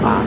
waaw